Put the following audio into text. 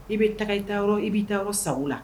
I bɛ taga i ta yɔrɔ i bɛitaa yɔrɔ sago la